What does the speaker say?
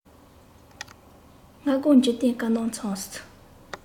སྔ དགོང འཇིག རྟེན དཀར ནག མཚམས སུ